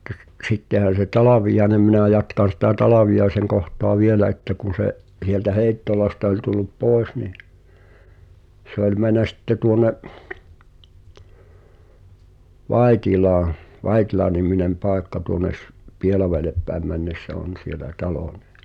mutta - sittehän se Talviainen minä jatkan sitä Talviaisen kohtaa vielä että kun se sieltä Heittolasta oli tullut pois niin se oli mennyt sitten tuonne Vaittilaan Vaittila-niminen paikka tuonne - Pielavedelle päin mennessä on siellä talo niin